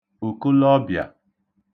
òkolọbịà